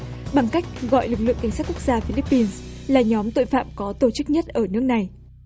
bằng cách gọi lực lượng cảnh sát quốc gia phi líp pin là nhóm tội phạm có tổ chức nhất ở nước này